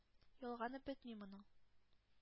Ялганып бетми моның.